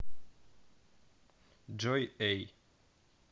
joy а